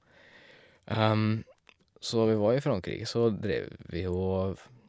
Så vi var i Frankrike, så dreiv vi å f...